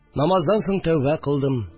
Намаздан соң тәүбә кылдым